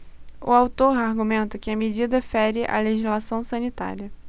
o autor argumenta que a medida fere a legislação sanitária